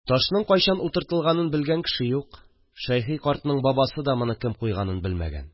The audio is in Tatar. Ташның кайчан утыртылганын белгән кеше юк, Шәйхи картның бабасы да моны кем куйганын белмәгән